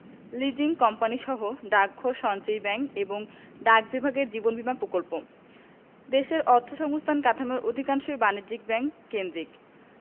leasing companies ডাকঘর সঞ্চয়ী bank এবং ডাক বিভাগের জীবন বীমা প্রকল্প দেশের অর্থসংস্থান কাঠামোর অধিকাংশই বাণিজ্যিক ব্যাংক কেন্দ্রিক